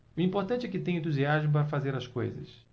o importante é que tenho entusiasmo para fazer as coisas